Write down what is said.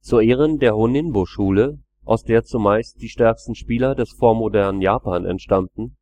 Zu Ehren der Honinbo-Schule, aus der zumeist die stärksten Spieler des vormodernen Japan entstammten,